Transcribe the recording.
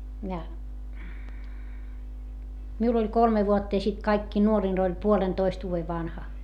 ja minulla oli kolme vuotta ja sitten kaikkein nuorin oli puolentoista vuoden vanha